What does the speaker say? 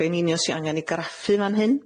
Be'n union sy' angan 'i graffu'n fan hyn?